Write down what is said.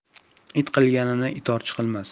it qilganni itorchi qilmas